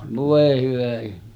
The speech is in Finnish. voi hyvä ihme